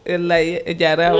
wallay a jarama